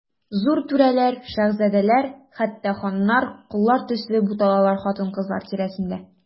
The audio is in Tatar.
Зур түрәләр, шаһзадәләр, хәтта ханнар, коллар төсле буталалар хатын-кызлар тирәсендә.